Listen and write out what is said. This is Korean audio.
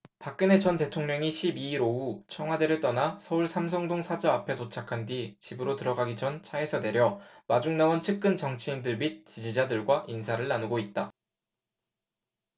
박근혜 전 대통령이 십 이 일 오후 청와대를 떠나 서울 삼성동 사저 앞에 도착한 뒤 집으로 들어가기 전 차에서 내려 마중 나온 측근 정치인들 및 지지자들과 인사를 나누고 있다